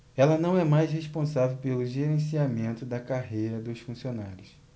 ela não é mais responsável pelo gerenciamento da carreira dos funcionários